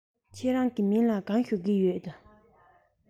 ཁྱེད རང གི མཚན ལ ག རེ ཞུ གི ཡོད